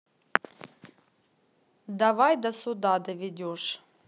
давай до суда доведешь